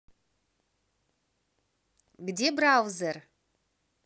где браузер